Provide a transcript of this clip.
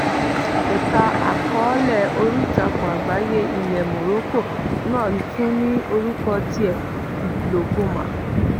Ẹ̀ka àkọọ́lẹ̀ oríìtakùn àgbáyé ilẹ̀ Morocco náà tún ní orúkọ tiẹ̀ - the Blogoma.